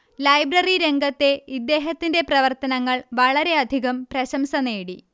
library രംഗത്തെ ഇദ്ദേഹത്തിന്റെ പ്രവർത്തനങ്ങൾ വളരെയധികം പ്രശംസ നേടി